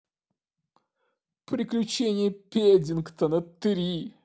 приключения паддингтона три